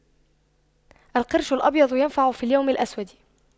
القرش الأبيض ينفع في اليوم الأسود